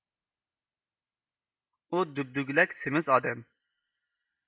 ئۇ دۈبدۈگىلەك سېمىز ئادەم